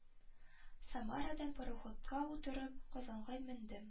Самарадан пароходка утырып казанга мендем